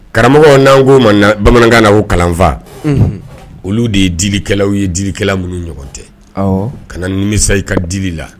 Karamɔgɔ n'an ko bamanankan na o kalanfa olu de ye dikɛlaw ye dikɛla minnu ɲɔgɔn tɛ ka na nimisa i ka di la